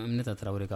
Minɛ ta taraweleb kan